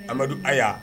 Amadu ayiwa